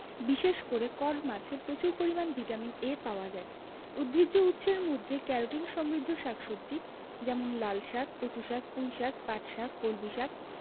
বিশেষ করে কড় মাছে প্রচুর পরিমান ভিটামিন এ পাওয়া যায় উদ্ভিজ্জ উৎসের মধ্যে ক্যারোটিন সমৃদ্ধ শাক সবজি যেমন লালশাক কচুশাক পুঁইশাক পাটশাক কলমিশাক